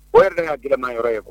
O yɛrɛ de y'a dima yɔrɔ ye kuwa